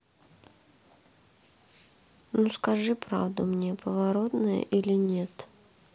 ну скажи правду мне поворотная или нет